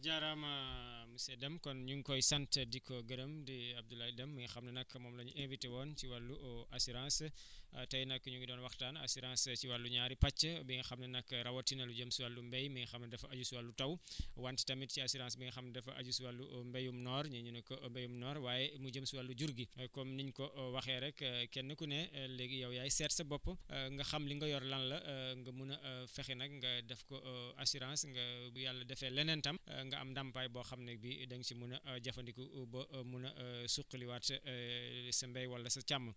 jaaraama monsieur Deme kon ñu ngi koy sant di ko gërëm di Abdoulaye Deme mi nga xam ne nag moom la ñu inviter woon ci wàllu assurance tey nag ñu ngi doon waxtaaneassurance si wàllu ñaari pàcc bi nga xam ne nag rawatina lu jëm si wàllu mbéy mi nga xam dafa aju si wàllu taw wante tamit ci assurance bi nga xam dafa aju si wàllu mbéyum noor ñun ñu ne ko mbéyum noor waaye lu jëm si wàllu jur gi comme niñ ko waxee rek kenn ku ne léegi yow yaay seet sa bopp nga xam li nga yor lan la nga mun a fexe nag nga def ko assurance nga bu yàlla defee leneen tam nga am ndàmpaay boo xam ne bi da nga si mun a jafandiku ba mun a suqaliwaat sa mbéy wala sa càmm